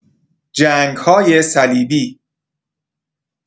جنگ‌های صلیبی